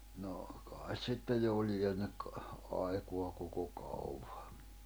no kai sitten jo lienee aikaa koko kaukaa